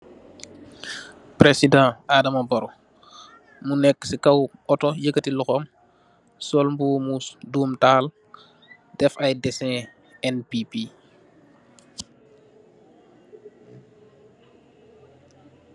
Presidan Adama Barrow mu neka si kaw auto yeketi loxom sol mbubu bu domital def ay desex NPP.